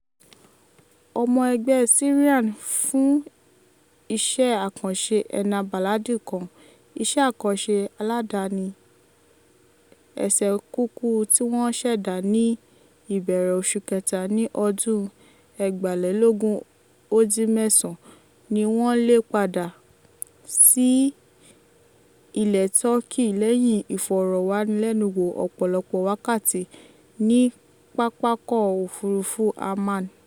Ọmọ ẹgbẹ́ Syian fún iṣẹ́ àkànṣe Enab Baladi kan, iṣẹ́ àkànṣe aládàáni ẹsẹ̀ kùkú tí wọ́n ṣẹ̀dá ní ìbẹ̀rẹ̀ oṣù kẹta ní ọdún 2011 ni wọ́n lé padà sí ilẹ̀ Turkey lẹ́yìn Ìfọ̀rọ̀wánilẹ́nuwò ọ̀pọ̀lọpọ̀ wákàtí ní pápákọ̀ òfuurufú Amman.